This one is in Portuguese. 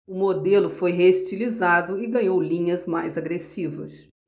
o modelo foi reestilizado e ganhou linhas mais agressivas